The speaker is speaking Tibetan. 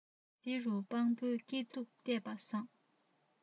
འདི རུ སྤྲང པོའི སྐྱིད སྡུག བལྟས པ བཟང